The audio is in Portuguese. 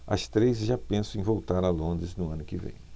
as três já pensam em voltar a londres no ano que vem